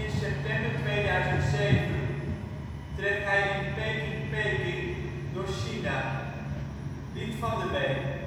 september 2007 trekt hij in " Peking-Peking " door China. Lied van de Week